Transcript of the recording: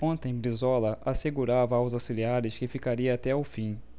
ontem brizola assegurava aos auxiliares que ficaria até o fim